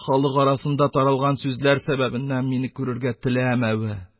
Халык арасында таралган сүзләр сәбәбеннән мине күрергә теләмәве,